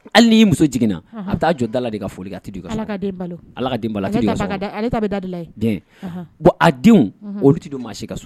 Hali ni 'i muso jigin na bi a taa jɔ da la de ka foli kɛ. A ti don i ka kɔnɔ. Ala ka den balo o bɛ tɛ don maa si ka so